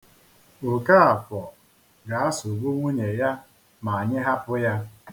Okafọ ga-asugbu nwunye ya ma anyị hapụ ya.